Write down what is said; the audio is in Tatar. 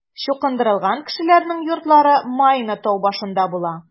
Чукындырылган кешеләрнең йортлары Майна тау башында була.